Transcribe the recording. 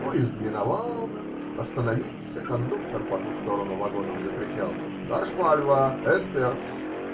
Поезд миновал нас, остановился, кондуктор по ту сторону вагонов закричал: -- Гаршфальва, эд перц!